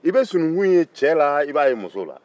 i bɛ sununkun ye cɛ la i b'a ye muso la